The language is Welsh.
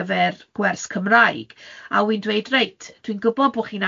gyfer gwers Cymraeg a wi'n dweud reit dwi'n gwybod bo' chi'n